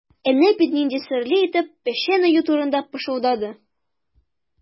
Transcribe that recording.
Әнә бит нинди серле итеп печән өю турында пышылдады.